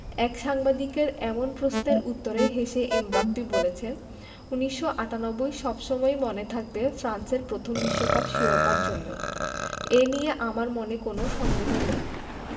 এক সাংবাদিকের এমন প্রশ্নের উত্তরে হেসে এমবাপ্পে বলেছেন ১৯৯৮ সব সময়ই মনে থাকবে ফ্রান্সের প্রথম বিশ্বকাপ শিরোপার জন্যই এ নিয়ে আমার মনে কোনো সন্দেহ নেই